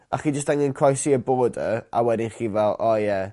A chi jyst angen croesi y border a wedyn chi fel o ie